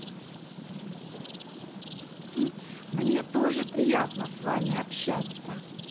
мне тоже приятно с вами общаться